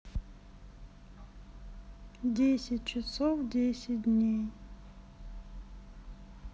десять часов десять дней